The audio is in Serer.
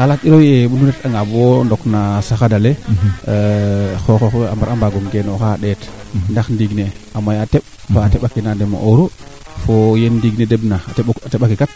alors a ñaaw a ndef tikg paax ti paaxu yo bo daal nene o ga'a keene leyoona a jega solo